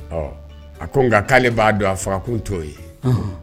A ko nka k ko'ale b'a don a faga kun t'o ye